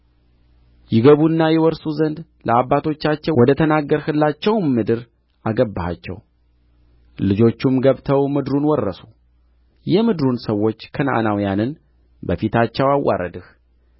ይገቡና ይወርሱ ዘንድ ለአባቶቻቸው ወደ ተናገርህላቸውም ምድር አገባሃቸው ልጆቹም ገብተው ምድሩን ወረሱ የምድሩን ሰዎች ከነዓናውያንን በፊታቸው አዋረድህ